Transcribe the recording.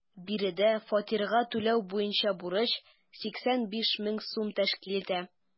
Биредә фатирга түләү буенча бурыч 85 мең сум тәшкил итә.